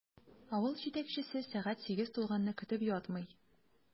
Авыл җитәкчесе сәгать сигез тулганны көтеп ятмый.